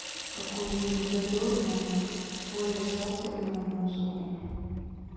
какую нибудь задорную полис ательную музыку